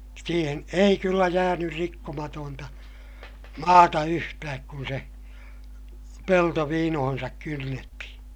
siihen ei kyllä jäänyt rikkomatonta maata yhtään kun se pelto viinoonsa kynnettiin